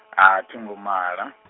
a thi ngo mala .